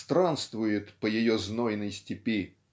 странствует по ее знойной степи.